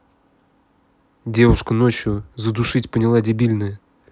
девушка ночью задушить поняла дебильная